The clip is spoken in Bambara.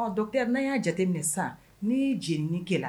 N'a'a jate minɛ sa ni jeniinin kelen